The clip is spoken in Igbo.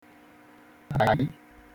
kpaị